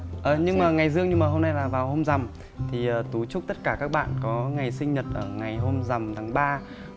nhưng mà ngày dương nhưng mà hôm nay là vào hôm rằm thì tú chúc tất cả các bạn có ngày sinh nhật ở ngày hôm rằm tháng ba